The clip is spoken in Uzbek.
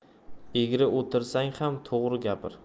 egri o'tirsang ham to'g'ri gapir